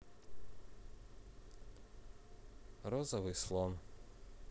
розовый слон